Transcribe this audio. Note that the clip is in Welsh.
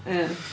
Ie.